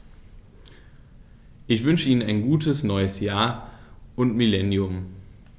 Ich wünsche Ihnen ein gutes neues Jahr und Millennium.